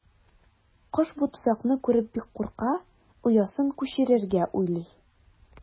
Кош бу тозакны күреп бик курка, оясын күчерергә уйлый.